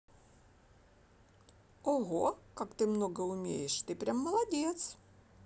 ого как ты много умеешь ты прям молодец